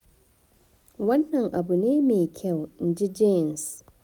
"Wannan abu ne mai kyau," in ji Jaynes.